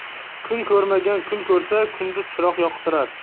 kun ko'rmagan kun ko'rsa kunduz chiroq yoqtirar